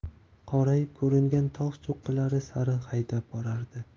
qorayib ko'ringan tog' cho'qqilari sari haydab borardi